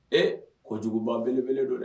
Ee ko kojuguba belebele don dɛ